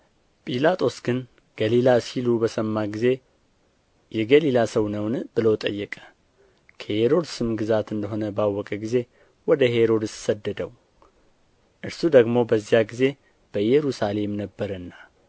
ጲላጦስ ግን ገሊላ ሲሉ በሰማ ጊዜ የገሊላ ሰው ነውን ብሎ ጠየቀ ከሄሮድስም ግዛት እንደ ሆነ ባወቀ ጊዜ ወደ ሄሮድስ ሰደደው እርሱ ደግሞ በዚያ ጊዜ በኢየሩሳሌም ነበረና